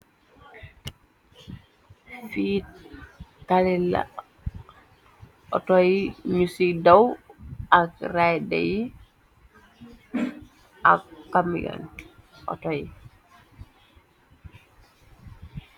Fii talila autoyi ñu ci daw ak rayde yi ak camion auto yi.